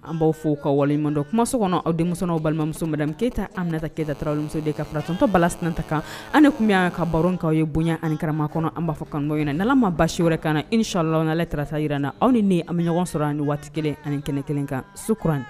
An b' fɔ' ka waleɲumantɔn kuma so kɔnɔ aw denmusow balimamusoda keeyita an nata keta tarawelerarawmuso de ye ka faratitɔbasta kan ani tun yya'a ka barokaw ye bonya anikarama kɔnɔ an b'a fɔ kany ɲɛna n maa ba se wɛrɛ kana na ni shlayaale tarasa jirar na aw ni an bɛ ɲɔgɔn sɔrɔ ani waati kelen ani kɛnɛ kelen kan su kurauran